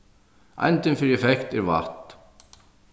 eindin fyri effekt er watt